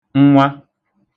nnwa